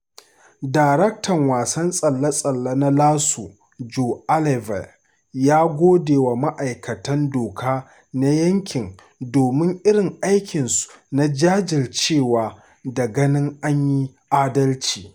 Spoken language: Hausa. Daraktan wasan tsalle-tsalle na LSU Joe Alleva ya gode wa ma’aikatan doka na yankin don irin aikinsu na “jajircewa da ganin an yi adalci.”